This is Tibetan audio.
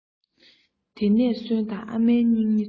དེ ནས གསོན དང ཨ མའི སྙིང ཉེ ཚོ